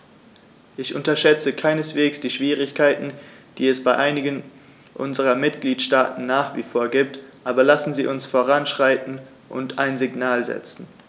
Ich unterschätze keineswegs die Schwierigkeiten, die es bei einigen unserer Mitgliedstaaten nach wie vor gibt, aber lassen Sie uns voranschreiten und ein Signal setzen.